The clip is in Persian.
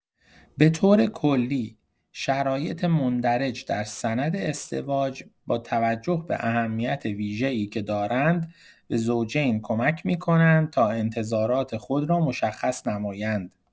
به‌طور کلی، شرایط مندرج در سند ازدواج با توجه به اهمیت ویژه‌ای که دارند، به زوجین کمک می‌کنند تا انتظارات خود را مشخص نمایند.